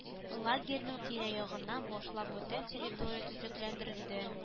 Лагерьның тирә-ягыннан башлап бөтен территория төзекләндерелде